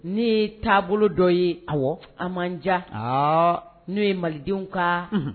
Ne taabolo dɔ ye aw a man ja h n'o ye malidenw ka